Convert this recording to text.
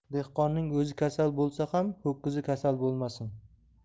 dehqonning o'zi kasal bo'lsa ham ho'kizi kasal bo'lmasin